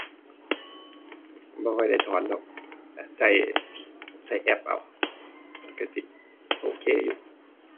บ่ค่อยได้ถอนดอก ใช้ ใช้แอปเอา มันใช้สิโอเคอยู่